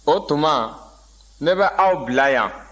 o tuma ne bɛ aw bila yan